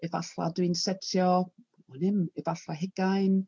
Efallai dw i'n setio, wn i'm, efallai ugain.